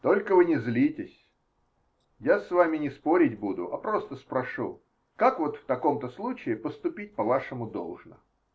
-- Только вы не злитесь: я с вами не спорить буду, а просто спрошу, как вот в таком-то случае поступить, по-вашему, должно?